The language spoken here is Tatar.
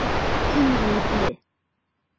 Кем гаепле?